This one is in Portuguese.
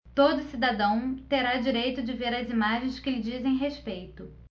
todo cidadão terá direito de ver as imagens que lhe dizem respeito